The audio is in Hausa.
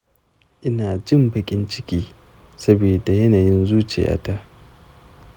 ina jin baƙin ciki saboda yanayin zuciyata.